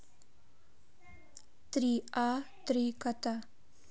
три аа три кота